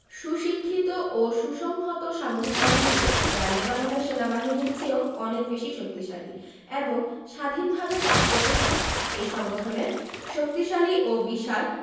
সুশিক্ষিত ও সুসংহত সামরিক বাহিনী রয়েছে যা লেবাননের সেনাবাহিনীর চেয়েও অনেক বেশি শক্তিশালী এবং স্বাধীনভাবে কাজ করতে সক্ষম এই সংগঠনের শক্তিশালী ও বিশাল